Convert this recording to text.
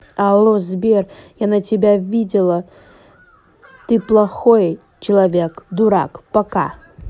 алло сбер я на тебя видела ты плохой человек дурак пока